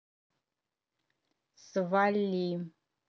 свали